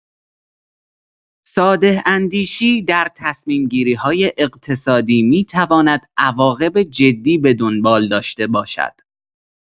ساده‌اندیشی در تصمیم‌گیری‌های اقتصادی می‌تواند عواقب جدی به دنبال داشته باشد.